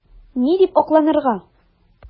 Ни дип акланырга?